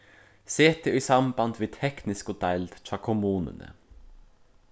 set teg í samband við teknisku deild hjá kommununi